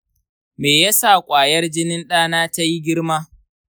me ya sa ƙwayar jinin ɗana ta yi girma?